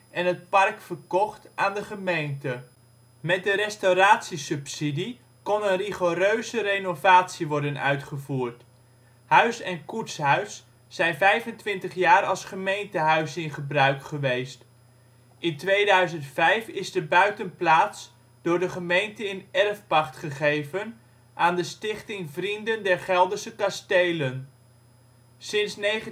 en het park verkocht aan de gemeente. Met restauratiesubsidie kon een rigoureuze renovatie worden uitgevoerd. Huis en koetshuis zijn 25 jaar als gemeentehuis in gebruik geweest. In 2005 is de buitenplaats door de gemeente in erfpacht gegeven aan de Stichting Vrienden der Geldersche Kasteelen. Sinds 1975